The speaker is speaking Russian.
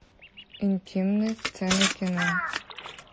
интимные сцены кино